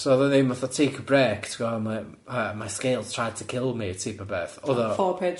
So o'dd o ddim fatha Take a Break ti 'bod, my yy my scales tried to kill me teip o beth, o'dd o... Four page spread arno fo.